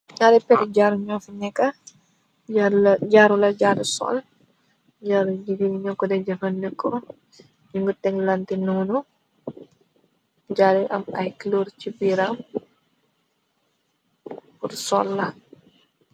Naare peer jaaru ñoo fe neka jaaru la jaaru sol jaaru jigi ñoo kote jëfa neko yi ngu teg lante noonu jaare am ay clor ci piram bur solla.